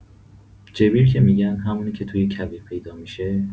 جبیر که می‌گن همونه که توی کویر پیدا می‌شه؟